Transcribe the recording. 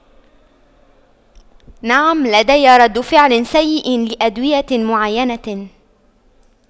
نعم لدي رد فعل سيء لأدوية معينة